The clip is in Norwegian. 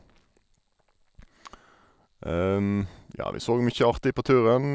Ja, vi så mye artig på turen.